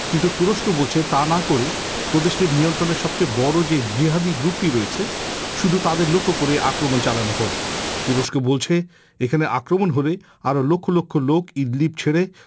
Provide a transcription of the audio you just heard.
কিন্তু তুরস্ক বলছে তা না করে প্রদেশটির নিয়ন্ত্রণে সবচেয়ে বড় যে জিহাদি গ্রুপ টি রয়েছে শুধু তাদের লক্ষ্য করে আক্রমণ চালানো হোক তুরস্কো বলছে এখানে আক্রমণ হবে আরও লক্ষ লক্ষ লোক ইদলিব ছেড়ে